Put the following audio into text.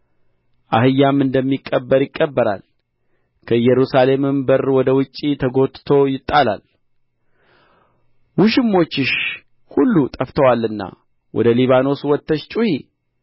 አህያም እንደሚቀበር ይቀበራል ከኢየሩሳሌምም በር ወደ ውጭ ተጐትቶ ይጣላል ውሽሞችሽ ሁሉ ጠፍተዋልና ወደ ሊባኖስ ወጥተሽ ጩኺ